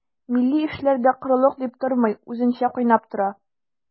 Милли эшләр дә корылык дип тормый, үзенчә кайнап тора.